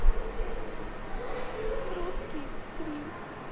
русский экстрим